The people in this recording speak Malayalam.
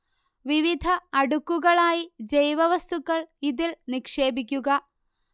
വിവിധ അടുക്കുകളായി ജൈവവസ്തുക്കൾ ഇതിൽ നിക്ഷേപിക്കുക